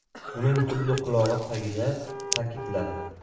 uning xuddi qulog'i tagida takidladi